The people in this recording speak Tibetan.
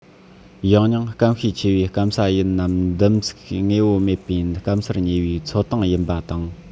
ཡང སྙིང སྐམ ཤས ཆེ བའི སྐམ ས ཡིན ནམ དིམ བསགས དངོས པོ མེད པའི སྐམ སར ཉེ བའི མཚོ གཏིང ཡིན པ དང